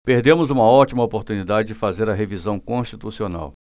perdemos uma ótima oportunidade de fazer a revisão constitucional